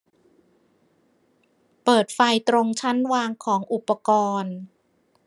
เปิดไฟตรงชั้นวางของอุปกรณ์